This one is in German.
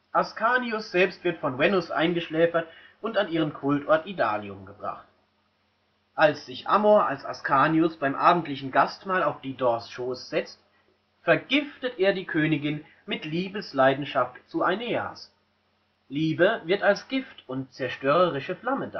Ascanius selbst wird von Venus eingeschläfert und an ihren Kultort Idalium gebracht. Als sich Amor als Ascanius beim abendlichen Gastmahl auf Didos Schoß setzt, „ vergiftet “er die Königin mit Liebesleidenschaft zu Aeneas. (Liebe wird als Gift und zerstörerische Flamme